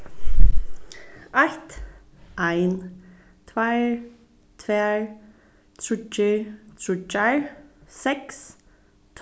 eitt ein tveir tvær tríggir tríggjar seks